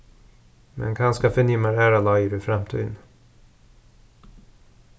men kanska finni eg mær aðrar leiðir í framtíðini